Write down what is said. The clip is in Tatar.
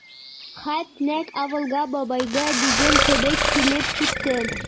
Хат нәкъ «Авылга, бабайга» дигән кебек килеп чыкты.